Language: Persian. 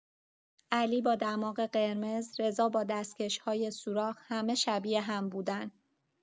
علی با دماغ قرمز، رضا با دستکش‌های سوراخ، همه شبیه هم بودن.